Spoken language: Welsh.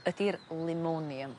ydi'r Limonium